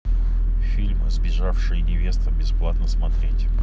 фильм сбежавшая невеста бесплатно смотреть